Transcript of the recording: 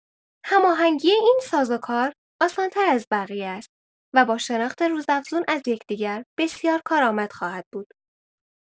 هماهنگی این سازوکار آسان‌تر از بقیه است و با شناخت روزافزون از یکدیگر بسیار کارآمد خواهد بود.